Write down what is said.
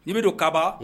N'i bɛ don kababan